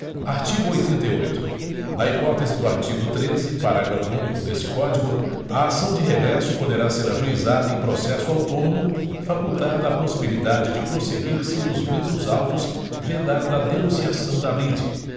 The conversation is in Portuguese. artigo oitenta e oito na hipótese do artigo treze parágrafo único deste código a ação de regresso poderá ser ajuizada em processo autônomo facultada a possibilidade de prosseguirse nos mesmos autos vedada a denunciação da lide